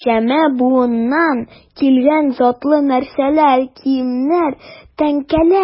Ничәмә буыннан килгән затлы нәрсәләр, киемнәр, тәңкәләр...